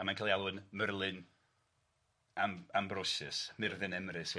A mae'n cael ei alw yn Merlin, Am- Ambrosius, Myrddin Emrys wedyn hefyd. Reit.